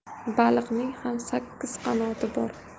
baliqning ham sakkiz qanoti bor